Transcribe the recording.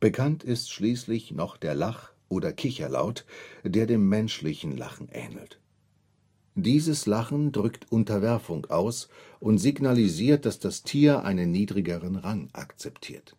Bekannt ist schließlich noch der Lach - oder Kicherlaut, der dem menschlichen Lachen ähnelt. Dieses Lachen drückt Unterwerfung aus und signalisiert, dass das Tier einen niedrigeren Rang akzeptiert